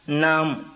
naamu